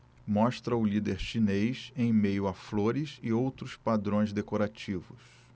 mostra o líder chinês em meio a flores e outros padrões decorativos